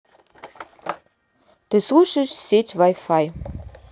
ты слушаешь сеть wi fi